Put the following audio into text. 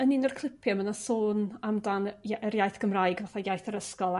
Yn un o'r clipia' ma' 'na sôn amdan yr iaith Gymraeg fatha iaith yr ysgol a